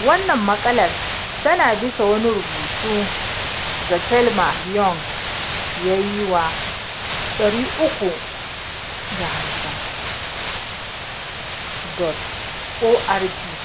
Wannan maƙalar tana bisa wani rubutu da Thelma Young ta yi wa 350.org,